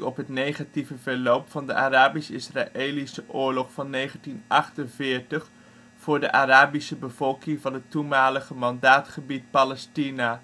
op het negatieve verloop van de Arabisch-Israëlische Oorlog van 1948 voor de Arabische bevolking van het toenmalige mandaatgebied Palestina.